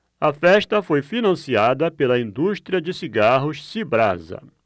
a festa foi financiada pela indústria de cigarros cibrasa